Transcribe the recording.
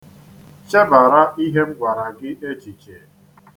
Chebara ihe m gwara gị echiche.